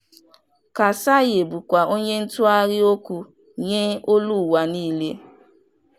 Kassaye bụkwa onye ntụgharị okwu nye Global Voices.